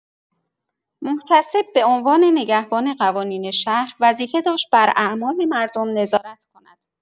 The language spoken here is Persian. محتسب به عنوان نگهبان قوانین شهر وظیفه داشت بر اعمال مردم نظارت کند.